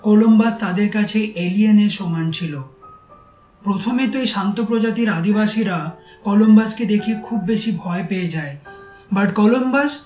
Columbus তাদের কাছে এলিয়েনের সমান ছিল প্রথমে তো এই শান্ত প্রজাতির আদিবাসীরা কলম্বাস কে দেখে খুব বেশি ভয় পেয়ে যায় বাট কলম্বাস